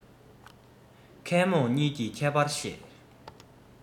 མཁས རྨོངས གཉིས ཀྱི ཁྱད པར ཤེས